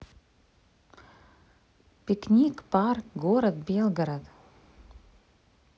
пикник парк город белгород